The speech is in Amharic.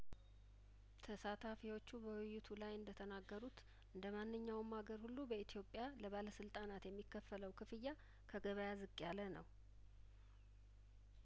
ተሳታፊዎቹ በውይይቱ ላይእንደ ተናገሩት እንደማንኛውም አገር ሁሉ በኢትዮጵያ ለባለስልጣናት የሚከፈለው ክፍያ ከገበያ ዝቅ ያለነው